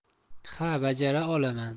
ha bajara olaman